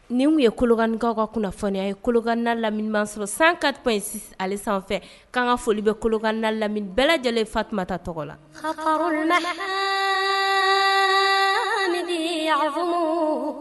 Nin ye Kolokanikaw ka kunnafoniya ye Kolokani n'a lamini b'an sɔrɔ 104.6 ale sanfɛ k'an ka foli bɛ Kolokani bɛɛ lajɛlen ye Fatuma ta tɔgɔ la